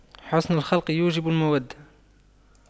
حُسْنُ الخلق يوجب المودة